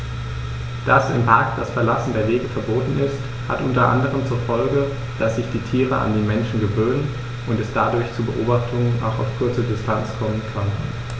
Dass im Park das Verlassen der Wege verboten ist, hat unter anderem zur Folge, dass sich die Tiere an die Menschen gewöhnen und es dadurch zu Beobachtungen auch auf kurze Distanz kommen kann.